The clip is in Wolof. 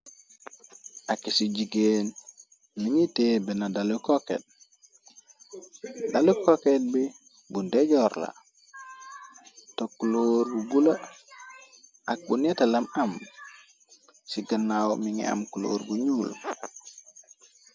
Ak ci jigéen na ngi tee bena dalu koket dalu koket bi bu ndejoor la te kuloor bu bula ak bu nettalam am ci gannaaw mi ngi am kuloor bu ñuul.